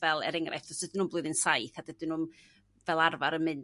fel er enghraifft os ydyn n'w'n blwyddyn saith a dydyn n'w'm fel arfer yn mynd